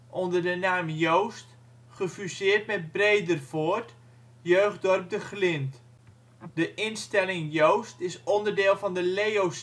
onder de naam Joozt gefuseerd met Bredervoort (Jeugddorp de Glind). De instelling Joozt is onderdeel van de Leo